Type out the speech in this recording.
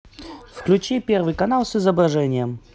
включить первый канал с изображением